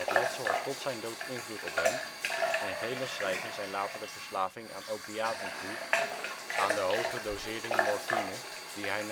letsel had tot zijn dood invloed op hem en velen schrijven zijn latere verslaving aan opiaten toe aan de hoge dosering morfine die hij